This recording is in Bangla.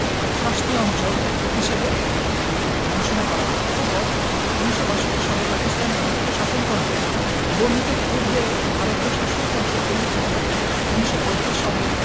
শাসতি অঞ্চল' হিসেবে ঘোষণা করা হয়্ অতপর ১৯৬২ সনে পাকিস্তানের দ্বিতীয় শাসনতন্ত্রে বর্ণিত পূর্বে ভারতীয় শাসনতন্ত্রে উল্লিখিত ১৯৩৫ সনের